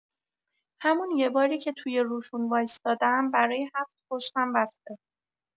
همون یه باری که توی روشون وایستادم برای هفت پشتم بسه.